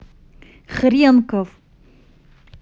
хренков